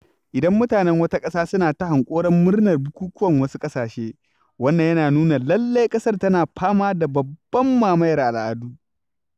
Idan mutanen wata ƙasa suna ta hanƙoron murnar bukukuwan wasu ƙasashe, wannan yana nuna lallai ƙasar tana fama da babban mamayar al'adu.